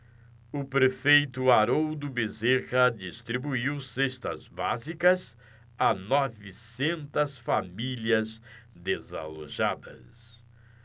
o prefeito haroldo bezerra distribuiu cestas básicas a novecentas famílias desalojadas